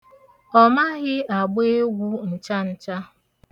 Ọ maghị agba egwu ncha ncha.